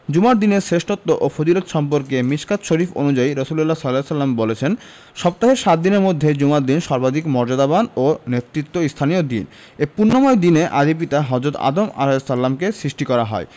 জুমার দিনের শ্রেষ্ঠত্ব ও ফজিলত সম্পর্কে মিশকাত শরিফ অনুযায়ী রাসুলুল্লাহ সা বলেছেন সপ্তাহের সাত দিনের মধ্যে জুমার দিন সর্বাধিক মর্যাদাবান ও নেতৃত্বস্থানীয় দিন এ পুণ্যময় দিনে আদি পিতা হজরত আদম আ কে সৃষ্টি করা হয়